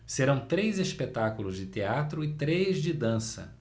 serão três espetáculos de teatro e três de dança